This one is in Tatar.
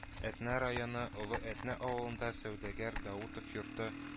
Әтнә районы Олы Әтнә авылында сәүдәгәр Даутов йорты